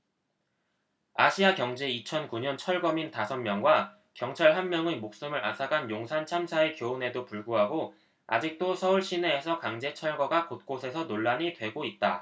아시아경제 이천 구 년 철거민 다섯 명과 경찰 한 명의 목숨을 앗아간 용산참사의 교훈에도 불구하고 아직도 서울 시내에서 강제철거가 곳곳에서 논란이 되고 있다